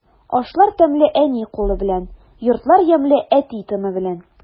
Ашлар тәмле әни кулы белән, йортлар ямьле әти тыны белән.